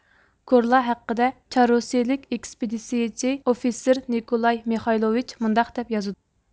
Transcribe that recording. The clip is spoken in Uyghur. كورلا ھەققىدە چار رۇسىيىلىك ئېكسپېدىتسىيىچى ئوفىتسېر نىكولاي مېخايلوۋېچ مۇنداق دەپ يازىدۇ